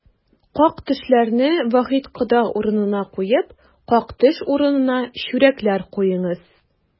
Как-төшләрне Вахит кода урынына куеп, как-төш урынына чүрәкләр куеңыз!